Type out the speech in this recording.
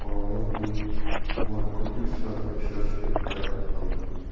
orolga qo'yib kubani ko'prik sifatida ishlatishga harakat qildi